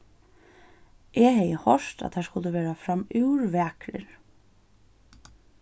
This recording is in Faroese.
eg hevði hoyrt at teir skuldu vera framúr vakrir